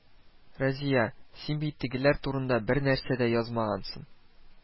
Разия, син бит тегеләр турында бернәрсә дә язмагансың